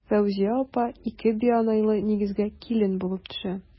Фәүзия апа ике бианайлы нигезгә килен булып төшә.